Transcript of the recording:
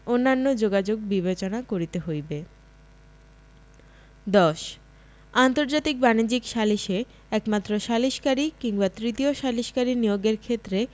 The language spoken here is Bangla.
অন্যান্য যোগ্যতা বিবেচনা করিতে হইবে ১০ আন্তর্জাতিক বাণিজ্যিক সালিসে একমাত্র সালিসকারী কিংবা তৃতীয় সালিসকারী নিয়োগের ক্ষেত্রে